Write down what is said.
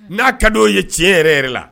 N'a ka di' ye tiɲɛ yɛrɛ yɛrɛ la